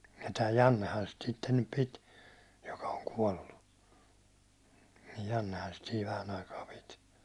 ja tämä Jannehan sitä sitten nyt piti joka on kuollut Jannehan sitä siinä vähän aikaa piti